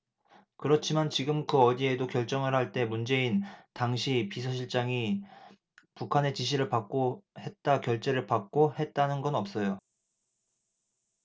그렇지만 지금 그 어디에도 결정을 할 때 문재인 당시 비서실장이 북한의 지시를 받고 했다 결재를 받고 했다는 건 없어요